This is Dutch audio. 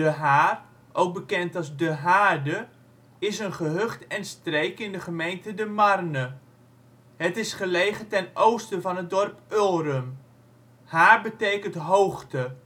Haar (ook bekend als De Haarde) is een gehucht en streek in de gemeente De Marne. Het is gelegen ten oosten van het dorp Ulrum. Haar betekent hoogte